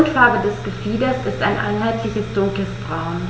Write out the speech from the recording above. Grundfarbe des Gefieders ist ein einheitliches dunkles Braun.